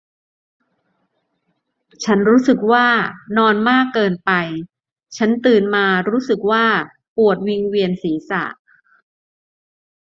ฉันรู้สึกว่านอนมากเกินไปฉันตื่นมารู้สึกว่าปวดวิงเวียนศีรษะ